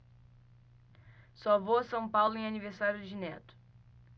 só vou a são paulo em aniversário de neto